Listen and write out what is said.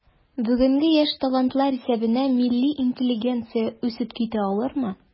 Бүгенге яшь талантлар исәбенә милли интеллигенция үсеп китә алырмы?